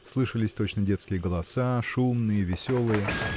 слышались точно детские голоса, шумные, веселые